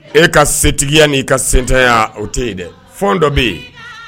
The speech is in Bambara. E ka setigiya ni ka sentanyaya o tɛ yen dɛ fɔ dɔ bɛ yen